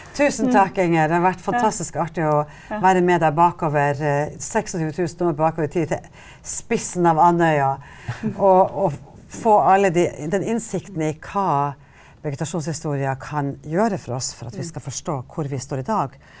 tusen takk Inger, det er vært fantastisk artig å være med deg bakover 26000 dommer på bakover i tid til spissen av Andøya, og å få alle de den innsikten i hva vegetasjonshistorier kan gjøre for oss for at vi skal forstå hvor vi står i dag,